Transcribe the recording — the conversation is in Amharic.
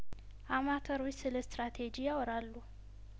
አማተሮች ስለእስትራቴጂ ያወራሉ